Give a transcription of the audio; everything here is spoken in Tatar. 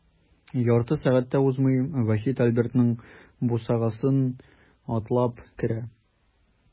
Ярты сәгать тә узмый, Вахит Альбертның бусагасын атлап керә.